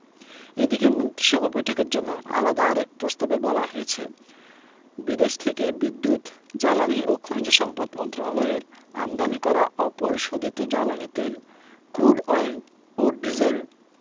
এদিকে মন্ত্রিসভা বৈঠকের জন্য আলাদা আরেক প্রস্তাবে বলা হয়েছে বিদেশ থেকে বিদ্যুৎ জ্বালানি ও খনিজ সম্পদ মন্ত্রণালয়ের আমদানি করা অপরিশোধিত জ্বালানি তেল ক্রুড অয়েল ও ডিজেল